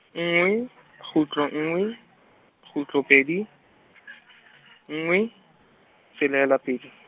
nngwe , kgutlo nngwe, kgutlo pedi , nngwe, tshelela pedi.